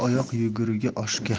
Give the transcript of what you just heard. oyoq yugurigi oshga